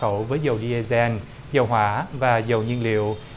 khẩu với dầu đi e den dầu hỏa và dầu nhiên liệu